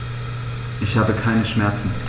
Ich habe keine Schmerzen.